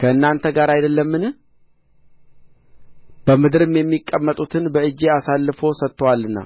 ከእናንተ ጋር አይደለምን በምድርም የሚቀመጡትን በእጄ አሳልፎ ሰጥቶአልና